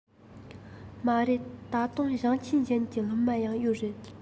མ རེད ད དུང ཞིང ཆེན གཞན གྱི སློབ མ ཡང ཡོད རེད